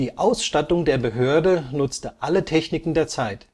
Ausstattung der Behörde nutzte alle Techniken der Zeit